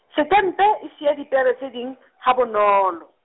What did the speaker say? Setempe e siya dipere tse ding , ha bonolo.